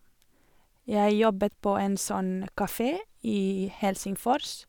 Jeg jobbet på en sånn kafé i Helsingfors.